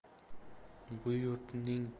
bu yurtning podshosini